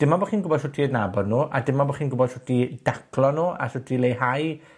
Dim on' bo' chi'n gwbod shwt i adnabod nw, a dim on' bo' chi'n gwbod shwt i daclo nw a shwt i leihau